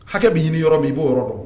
Hakɛ bɛ ɲini yɔrɔ min i b'o yɔrɔ dɔn